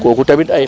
kooku tamit ay